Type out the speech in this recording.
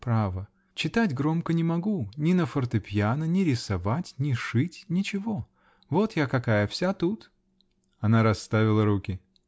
право; читать громко не могу; ни на фортепьяно, ни рисовать, ни шить -- ничего! Вот я какая -- вся тут! Она расставила руки.